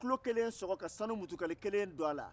ka tulo k len sg ka sun mutukale kelen don a la